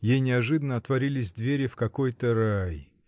Ей неожиданно отворились двери в какой-то рай.